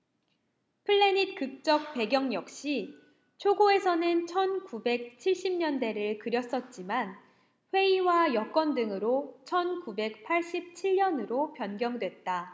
플래닛극적 배경 역시 초고에서는 천 구백 칠십 년대를 그렸었지만 회의와 여건 등으로 천 구백 팔십 칠 년으로 변경됐다